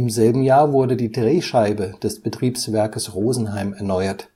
selben Jahr wurde die Drehscheibe des Betriebswerkes Rosenheim erneuert